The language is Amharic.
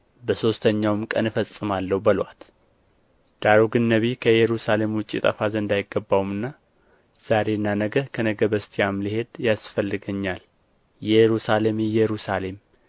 በሦስተኛውም ቀን እፈጸማለሁ በሉአት ዳሩ ግን ነቢይ ከኢየሩሳሌም ውጭ ይጠፋ ዘንድ አይገባውምና ዛሬና ነገ ከነገ በስቲያም ልሄድ ያስፈልገኛል ኢየሩሳሌም ኢየሩሳሌም